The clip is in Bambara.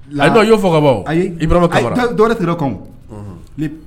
A dɔ y'o fɔ bɔ ayi dɔwɛrɛ tɛ kan